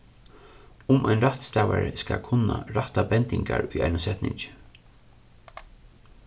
um ein rættstavari skal kunna rætta bendingar í einum setningi